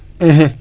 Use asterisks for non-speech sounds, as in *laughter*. *hesitation* *hesitation*